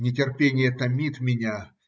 Нетерпение томит меня